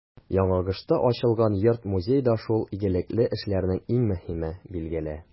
Яңагошта ачылган йорт-музей да шул игелекле эшләрнең иң мөһиме, билгеле.